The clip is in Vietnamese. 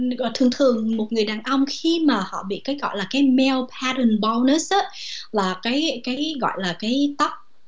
thường thường một người đàn ông khi mà họ bị cây cọái gọi là là cam meo pa rần bo nớt là cái cái gọi là cái tóc